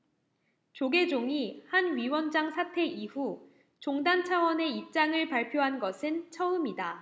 조계종이 한 위원장 사태 이후 종단 차원의 입장을 발표한 것은 처음이다